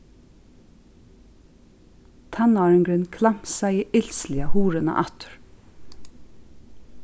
tannáringurin klamsaði ilsliga hurðina aftur